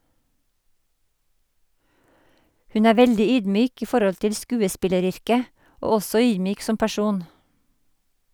Hun er veldig ydmyk i forhold til skuespilleryrket, og også ydmyk som person.